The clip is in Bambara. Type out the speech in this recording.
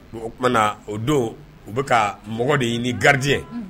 O tumana na o don u bɛka ka mɔgɔ de ɲini ni garijɛ